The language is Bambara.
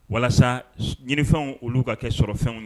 Walasa ɲiniw olu ka kɛ sɔrɔ fɛnw